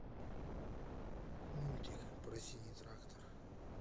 мультик про синий трактор